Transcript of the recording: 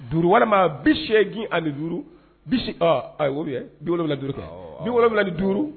5 walima 85 ɔ ou bien 75 , ɔ, awɔ